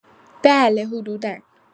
بله حدودا